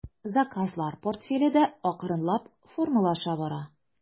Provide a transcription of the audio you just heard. Заказлар портфеле дә акрынлап формалаша бара.